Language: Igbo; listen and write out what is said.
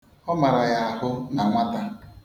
Ọ mara ya ahụ na nwata.